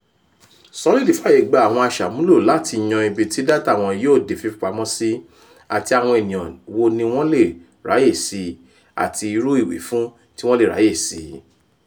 Solid fààyè gba àwọn aṣàmúlò láti yan ibi tí dátà wọn yóò di fífipamọ́ sí àti àwọn ènìyàn wo ní wọ́n le ráyè sí àti irú ìwífún tí wọ́n le ráyè sí.